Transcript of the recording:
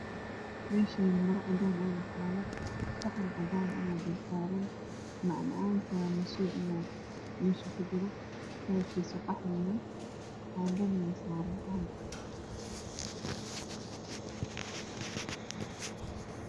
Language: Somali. Meeshaani Maro cadaan ayaa saaran saxan cadaan ayaa dul saaran macmacaan Aya ku jiro kalarkisa qaxwi yahay qaanadana way saaran tahay